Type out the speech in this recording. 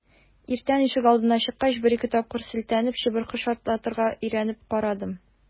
Иртән ишегалдына чыккач, бер-ике тапкыр селтәнеп, чыбыркы шартлатырга өйрәнеп карадым.